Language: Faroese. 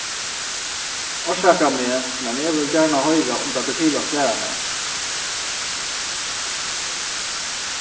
orsaka meg men eg vil gjarna hoyra um tað ber til at svara mær